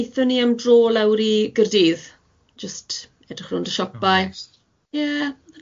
aethon ni am dro lawr i Gaerdydd jyst edrych rownd y siope.